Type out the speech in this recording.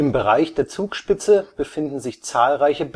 Bereich der Zugspitze befinden sich zahlreiche